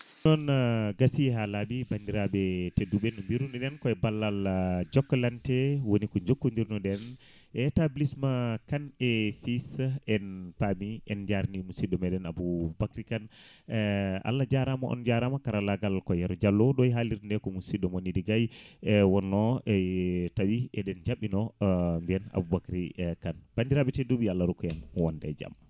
non gaasi ha laaɓi bandiraɓe tedduɓe no biruno ɗen koy ballal jokalante woni ko jokkodirno ɗen e établissement Kane et fils en paami en jarnima mussidɗo meɗen Aboubacry Kane Allah jaarama on jaarama karallagal ko Yero Diallo ɗo e halirde nde ko mussidɗo mon Idy Gaye e wonno tawi eɗen jabɓino biyen Aboubacry Kane bandiraɓe tedduɓe yo Allah rokku en wonde jaam